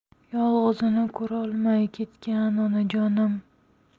yolg'izini ko'rolmay ketgan onajonim